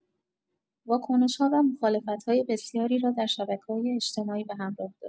واکنش‌ها و مخالفت‌های بسیاری را در شبکه‌های اجتماعی به همراه داشت.